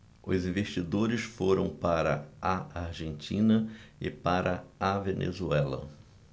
os investidores foram para a argentina e para a venezuela